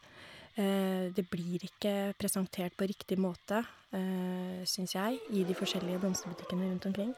Det blir ikke presentert på riktig måte, syns jeg, i de forskjellige blomsterbutikkene rundt omkring.